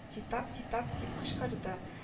— титап! титап! — дип кычкырды